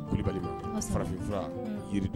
Kulibali . Farafin fura yiri